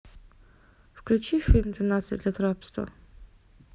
включи фильм двенадцать лет рабства